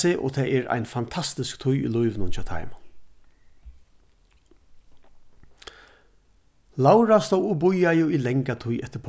seg og tað er ein fantastisk tíð í lívinum hjá teimum laura stóð og bíðaði í langa tíð eftir